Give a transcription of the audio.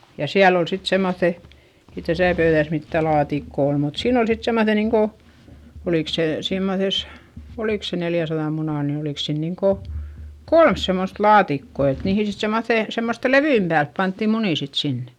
ja siellä oli sitten semmoiset ei tässä pöydässä mitään laatikkoa ole mutta siinä oli sitten semmoiset niin kuin oliko se semmoisessa oliko se neljänsadan munan niin oliko se niin kuin kolme semmoista laatikkoa että niihin sitten semmoisten semmoisten levyjen päälle pantiin munia sitten sinne